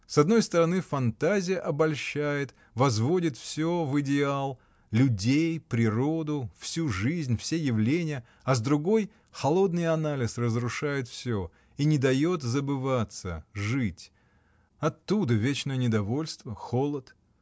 С одной стороны, фантазия обольщает, возводит всё в идеал: людей, природу, всю жизнь, все явления, а с другой — холодный анализ разрушает всё — и не дает забываться, жить: оттуда вечное недовольство, холод.